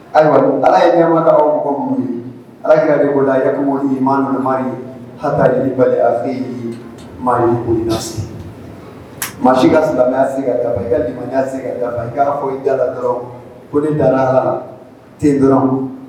Ayiwa ala ye ɲɛma mɔgɔ minnu ye alaki bolola yak ye maa nama ye halibali ase maa bolilasi maa si ka silamɛya sigi ka taa i kaumanya segin ka taa i k'a fɔ ja dɔrɔn ko ne dara la ten dɔrɔn ma